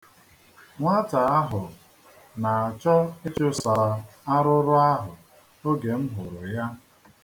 Nwata ahụ na-achọ ịchụsa arụrụ ahụ oge m hụrụ ya.